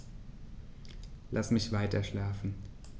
Lass mich weiterschlafen.